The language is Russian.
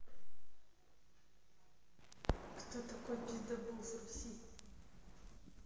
кто такой пиздаболс руси